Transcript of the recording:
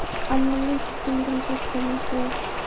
ammo men fikrimdan qaytganimcha yo'q